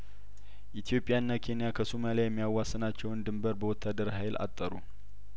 ኢትዮጵያና ኬንያከሶማሊያየሚያዋስናቸውን ድንበር በወታደራዊ ሀይል አጠሩ